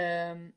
Yym.